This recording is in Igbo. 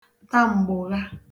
ta m̀gbụ̀gha